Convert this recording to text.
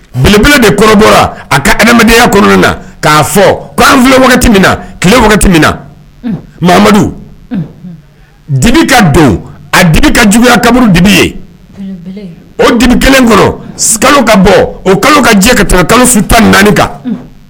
Bielebele de kɔrɔbɔ a ka adamamɛdenyaya kɔnɔna na k'a fɔ ko an filɛ min na tile wagati min na dibi ka don a dibi ka juguya kaburu dibi ye o dibi kelen kɔnɔ kalo ka bɔ o kalo ka jɛ ka kalo su tan naani kan